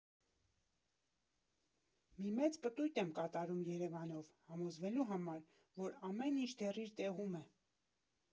Մի մեծ պտույտ եմ կատարում Երևանով՝ համոզվելու համար, որ ամեն ինչ դեռ իր տեղում է։